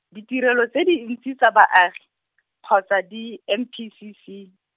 ditirelo tse dintsi tsa baagi, kgotsa di, M P C C.